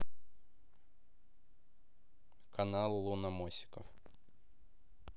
канал луномосиков